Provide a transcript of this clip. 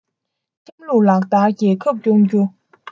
ཁྲིམས ལུགས ལྟར རྒྱལ ཁབ སྐྱོང རྒྱུ